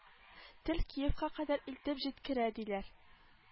Тел киевка кадәр илтеп җиткерә диләр